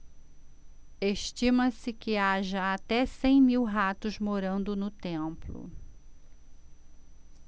estima-se que haja até cem mil ratos morando no templo